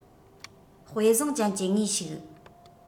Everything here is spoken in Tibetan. དཔེ བཟང ཅན གྱི ངོས ཞིག